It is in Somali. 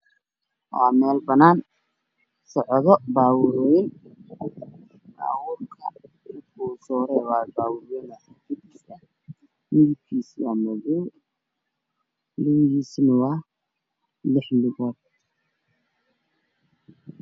Waa meel banaan socdo baabuur wayn baabuurka midabkiisa waa madow lugihiisana waa lix lugood